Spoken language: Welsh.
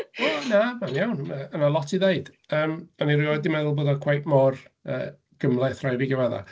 O na, mae'n iawn, ma' ma' lot i ddeud. Yym, o'n i rioed wedi meddwl bod o'n cweit mor yy gymhleth rhoi fi gyfadde.